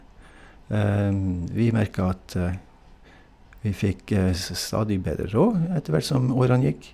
Vi merka at vi fikk s stadig bedre råd etter hvert som årene gikk.